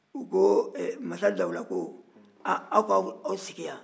u ko ɛɛ mansadawula ko aa aw k'aw sigi yan